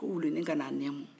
ko wuluni ka n'a nɛɛmu